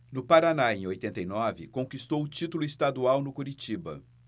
no paraná em oitenta e nove conquistou o título estadual no curitiba